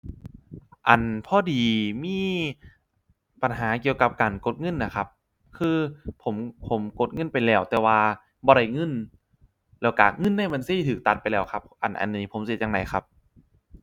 อั่นพอดีมีปัญหาเกี่ยวกับการกดเงินน่ะครับ คือ ผม ผมกดเงินไปแล้ว แต่ว่าบ่ได้เงิน แล้วก็เงินในบัญชีก็ตัดไปแล้วครับ อัน อันนี้ผมสิเฮ็ดจั่งใดครับ